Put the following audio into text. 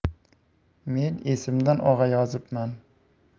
men esimdan og'ayozibman